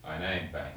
ai näin päin